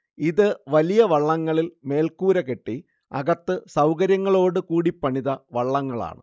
ഇത് വലിയ വള്ളങ്ങളിൽ മേൽക്കൂര കെട്ടി അകത്ത് സൗകര്യങ്ങളോട് കൂടി പണിത വള്ളങ്ങളാണ്